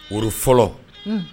Woro fɔlɔ